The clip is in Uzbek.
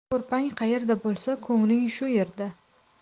ko'rpang qayerda bo'lsa ko'ngling shu yerda